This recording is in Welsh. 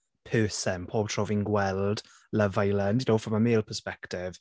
person pob tro fi'n gweld Love Island. You know from a male perspective.